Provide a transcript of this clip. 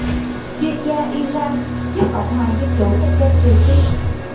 chuyên gia iran giúp cộng hòa dân chủ nhân dân triều tiên